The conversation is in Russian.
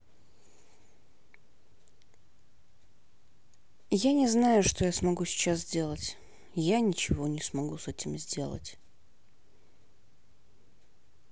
я не знаю что я смогу сейчас сделать я ничего не смогу с этим сделать